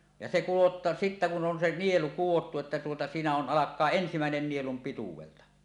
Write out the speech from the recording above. ja se - sitten kun on se nielu kudottu että tuota siinä on alkaa ensimmäinen nielun pituudelta